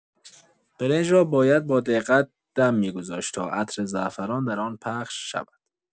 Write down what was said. برنج را باید با دقت دم می‌گذاشت تا عطر زعفران در آن پخش شود.